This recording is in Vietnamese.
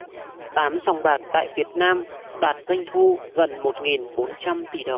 tám sòng bài tại việt nam đạt doanh thu gần một nghìn bốn trăm tỷ đồng